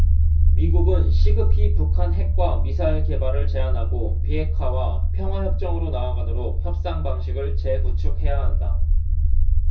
미국은 시급히 북한 핵과 미사일 개발을 제한하고 비핵화와 평화협정으로 나아가도록 협상 방식을 재구축해야 한다